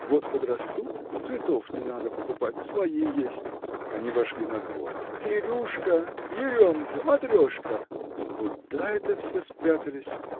Вот подрастут, цветов не надо покупать: свои есть. Они вошли на двор. — Кирюшка, Еремка, Матрешка! Куда это все спрятались?